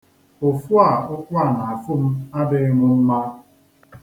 Ụfụ a ụkwụ a na-afụ m adịghị m mma.